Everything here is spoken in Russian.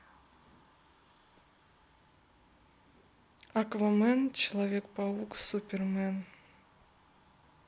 аквамен человек паук супермен